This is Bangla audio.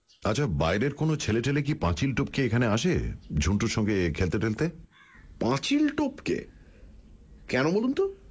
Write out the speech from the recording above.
আচ্ছা বাইরের কোনও ছেলেটেলে কি পাঁচিল টপকে এখানে আসে ঝুন্টুর সঙ্গে খেলতে টেলতে পাঁচিল টপকে কেন বলুন তো